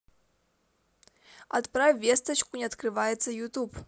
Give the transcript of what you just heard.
отправить весточку не открывается ютуб